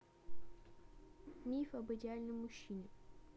миф об идеальном мужчине